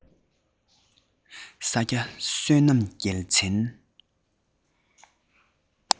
ས སྐྱ བསོད ནམས རྒྱལ མཚན